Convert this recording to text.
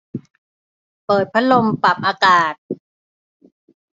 เปิดพัดลมปรับอากาศ